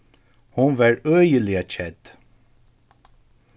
hon var øgiliga kedd